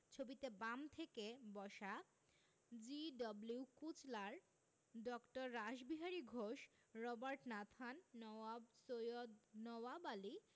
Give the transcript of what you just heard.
ছবিতে বাম থেকে বসা জি.ডব্লিউ. কুচলার ড. Rashbehari Ghosh Robert Nathan Nawab Syed Nawab Ali